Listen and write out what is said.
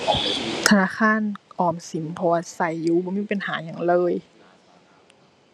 ธนาคารออมสิน เพราะว่าใช้อยู่บ่มีปัญหาหยังเลย